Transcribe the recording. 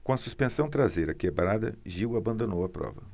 com a suspensão traseira quebrada gil abandonou a prova